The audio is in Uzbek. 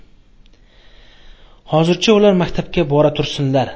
hozircha ular maktabga bora tursinlar